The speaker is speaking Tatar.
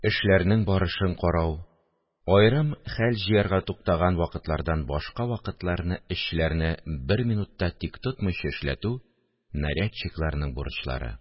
Эшләрнең барышын карау, аерым хәл җыярга туктаган вакытлардан башка вакытларны эшчеләрне бер минут та тик тотмыйча эшләтү – нарядчикларның бурычлары